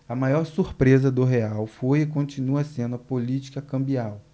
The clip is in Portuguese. a maior surpresa do real foi e continua sendo a política cambial